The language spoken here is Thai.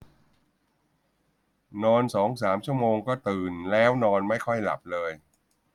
นอนสองสามชั่วโมงก็ตื่นแล้วนอนไม่ค่อยหลับเลย